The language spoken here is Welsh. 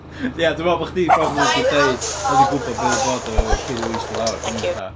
Ia dwi'n meddwl bod chdi probably 'di dweud "oedd hi'n gwbod be oedd yn bod efo fi cyn i fi eistedd lawr". O'n ni fatha...